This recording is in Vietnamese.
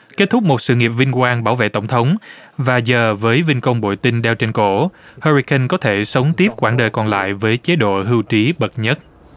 kết thúc một sự nghiệp vinh quang bảo vệ tổng thống và giờ với vinh công bội tinh đeo trên cổ hơ ri cân có thể sống tiếp quãng đời còn lại với chế độ hưu trí bậc nhất